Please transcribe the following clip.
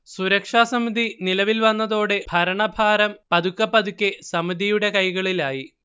സുരക്ഷാസമിതി നിലവിൽ വന്നതോടെ ഭരണഭാരം പതുക്കെപ്പതുക്കെ സമിതിയുടെ കൈകളിലായി